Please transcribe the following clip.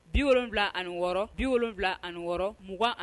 Bi wolonwula ani wɔɔrɔ bi wolonwula ani wɔɔrɔ mugan an